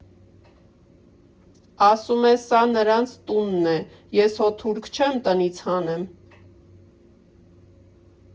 Ասում է՝ սա նրանց տունն է, ես հո թուրք չեմ, տնից հանեմ։